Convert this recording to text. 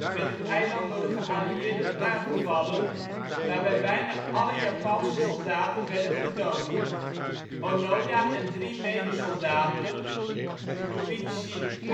werd het eiland door de geallieerden aangevallen, waarbij bijna alle Japanse soldaten werden gedood. Onoda en drie mede-soldaten, Yūichi